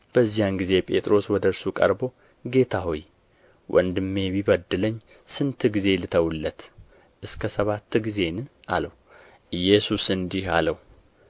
በዚያን ጊዜ ጴጥሮስ ወደ እርሱ ቀርቦ ጌታ ሆይ ወንድሜ ቢበድለኝ ስንት ጊዜ ልተውለት እስከ ሰባት ጊዜን አለው ኢየሱስ እንዲህ አለው